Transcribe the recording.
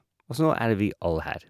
Og så nå er vi alle her.